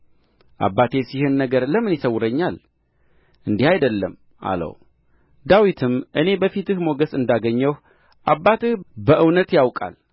አባቴስ ይህን ነገር ለምን ይሰውረኛል እንዲህ አይደለም አለው ዳዊትም እኔ በፊትህ ሞገስ እንዳገኘሁ አባትህ በእውነት ያውቃል